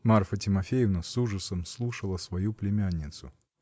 Марфа Тимофеевна с ужасом слушала свою племянницу.